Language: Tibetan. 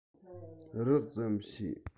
རགས ཙམ ཤེས